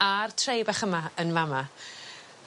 ar tray bach yma yn fa' 'ma.